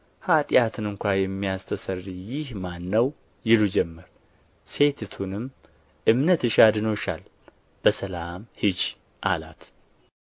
ኃጢአትን እንኳ የሚያስተሰርይ ይህ ማን ነው ይሉ ጀመር ሴቲቱንም እምነትሽ አድኖሻል በሰላም ሂጂ አላት